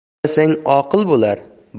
avrasang oqil bo'lar